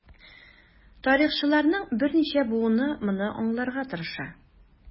Тарихчыларның берничә буыны моны аңларга тырыша.